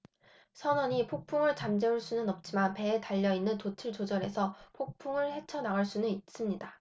선원이 폭풍을 잠재울 수는 없지만 배에 달려 있는 돛을 조절해서 폭풍을 헤쳐 나갈 수는 있습니다